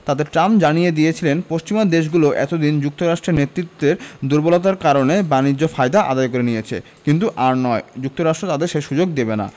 তাতে ট্রাম্প জানিয়ে দিয়েছিলেন পশ্চিমা দেশগুলো এত দিন যুক্তরাষ্ট্রের নেতৃত্বের দুর্বলতার কারণে বাণিজ্য ফায়দা আদায় করে নিয়েছে কিন্তু আর নয় যুক্তরাষ্ট্র তাদের সে সুযোগ দেবে না